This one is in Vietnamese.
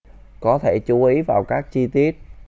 có thể chú ý vào các chi tiết